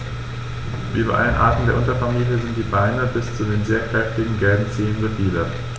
Wie bei allen Arten der Unterfamilie sind die Beine bis zu den sehr kräftigen gelben Zehen befiedert.